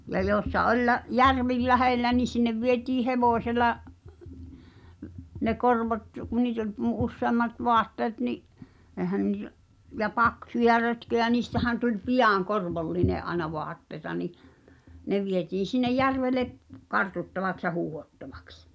ja joessa oli - järvi lähellä niin sinne vietiin hevosella ne korvot kun niitä oli - useammat vaatteet niin eihän niitä ja paksuja rötköjä niistähän tuli pian korvollinen aina vaatteita niin ne vietiin sinne järvelle kartuttavaksi ja huuhdottaviksi